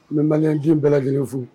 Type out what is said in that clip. N bɛ maliɲɛnden bɛɛ lajɛlen fo.